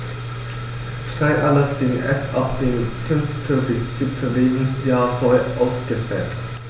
Steinadler sind erst ab dem 5. bis 7. Lebensjahr voll ausgefärbt.